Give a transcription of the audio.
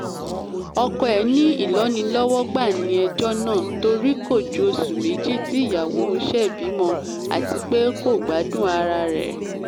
Ọkọ ẹ̀ ni “ìlọ́nilọ́wọ́gbà” ni ẹjọ́ náà torí kò ju oṣù méjì tí ìyàwó òun ṣẹ̀ bímọ. Àtipé “kò gbádùn ara ẹ̀.”